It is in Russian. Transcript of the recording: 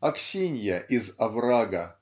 Аксинья из "Оврага"